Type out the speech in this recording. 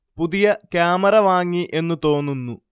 പുതിയ കാമറ വാങ്ങി എന്ന് തോന്നുന്നു